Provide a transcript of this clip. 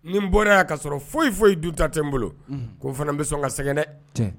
Ni n bɔraya ka sɔrɔ foyi foyi ye du ta tɛ n bolo ko'o fana bɛ sɔn ka sɛgɛng dɛ